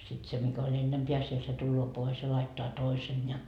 sitten se mikä oli ennempää siellä se tulee pois ja laittaa toisen ja